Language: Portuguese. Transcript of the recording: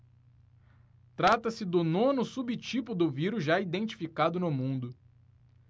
trata-se do nono subtipo do vírus já identificado no mundo